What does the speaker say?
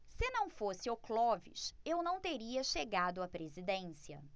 se não fosse o clóvis eu não teria chegado à presidência